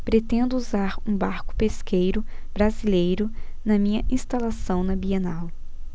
pretendo usar um barco pesqueiro brasileiro na minha instalação na bienal